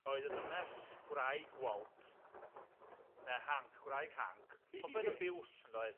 Oedd y ddynes gwraig Walt, ne' Hanc gwraig Hanc popeth yn biws yndoedd?